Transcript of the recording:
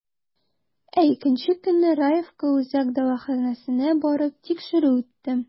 Ә икенче көнне, Раевка үзәк дәваханәсенә барып, тикшерү үттем.